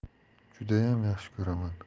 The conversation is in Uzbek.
judayam yaxshi ko'raman